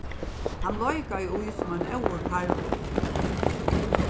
hann leikaði í sum ein óður tarvur